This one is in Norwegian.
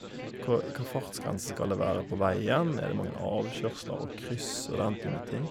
kå Ka fartsgrense skal det være på veien, er det mange avkjørsler og kryss og den type ting.